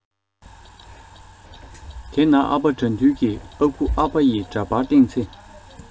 དེ ན ཨ ཕ དགྲ འདུལ གྱི ཨ ཁུ ཨ ཕ ཡི འདྲ པར སྟེང ཚེ